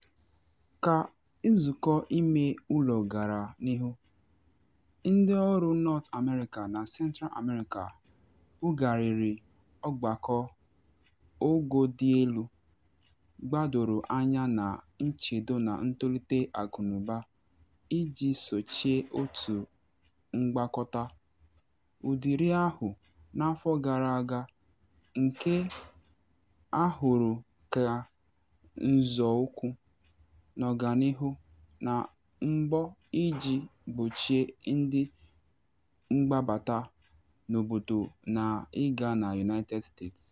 Ka nzụkọ ime ụlọ gara n’ihu, ndị ọrụ North America na Central America bugharịrị ọgbakọ ogo-dị-elu gbadoro anya na nchedo na ntolite akụnụba iji sochie otu mgbakọta ụdịrị ahụ n’afọ gara aga nke ahụrụ ka nzọụkwụ n’ọganihu na mbọ iji gbochie ndị mgbabata n’obodo na ịga na United States.